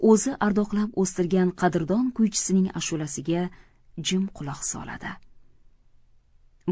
o'zi ardoqlab o'stirgan qadrdon kuychisining ashulasiga jim quloq soladi